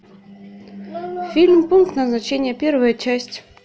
фильм пункт назначения первая часть